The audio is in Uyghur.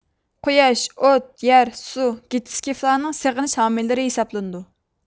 قۇياش ئوت يەر سۇ گىتسكىفلارنىڭ سېغىنىش ھامىيلىرى ھېسابلىناتتى